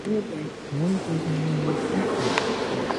More than 1,100 people were killed.